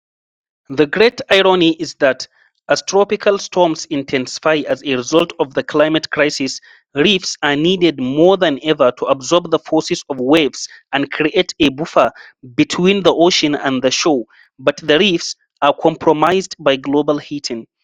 The great irony is that, as tropical storms intensify as a result of the climate crisis, reefs are needed more than ever to absorb the force of waves and create a buffer between the ocean and the shore — but the reefs are compromised by global heating.